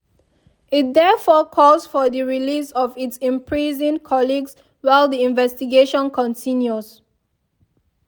It therefore calls for the release of its imprisoned colleagues while the investigation continues.